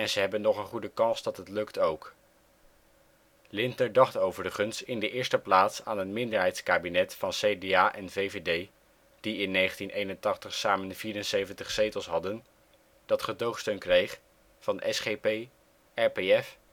ze hebben nog een goede kans dat het lukt ook. Lindner dacht overigens in de eerste plaats aan een minderheidskabinet van CDA en VVD (die in 1981 samen 74 zetels hadden) dat gedoogsteun kreeg van SGP, RPF en GPV